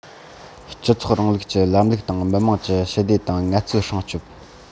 སྤྱི ཚོགས རིང ལུགས ཀྱི ལམ ལུགས དང མི དམངས ཀྱི ཞི བདེ དང ངལ རྩོལ སྲུང སྐྱོབ